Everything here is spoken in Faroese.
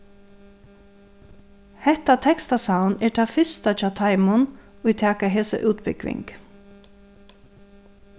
hetta tekstasavn er tað fyrsta hjá teimum ið taka hesa útbúgving